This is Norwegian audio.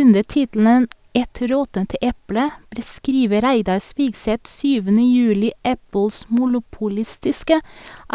Under tittelen «Et råttent eple» beskriver Reidar Spigseth 7. juli Apples monopolistiske